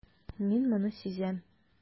Мин моны сизәм.